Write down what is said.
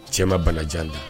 Cɛ ma banajan da